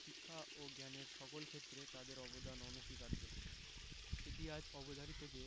শিক্ষা ও জ্ঞানের সকল ক্ষেত্রে তাদের অবদান অনস্বীকার্য এটিআজ অবধারিত যে